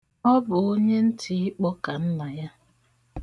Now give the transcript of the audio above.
Ọ bụ onye ntị ịkpọ ka nna ya.